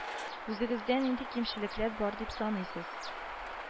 Үзегездә нинди кимчелекләр бар дип саныйсыз